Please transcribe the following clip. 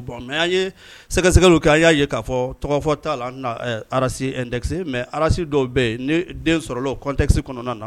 Mɛ ye sɛgɛgɛli kɛ a y'a ye k'a tɔgɔ fɔ' la arasitɛ mɛ arasi dɔw bɛ yen den sɔrɔtɛse kɔnɔna na